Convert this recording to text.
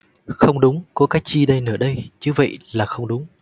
không đúng có cái chi đây nữa đây chứ vậy là không đúng